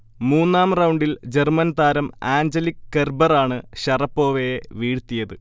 മൂന്നാം റൗണ്ടിൽ ജർമൻ താരം ആഞ്ചലിക് കെർബറാണ് ഷറപ്പോവയെ വീഴ്ത്തിയത്